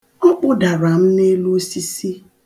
Ọ kpụdara m n'elu osisi.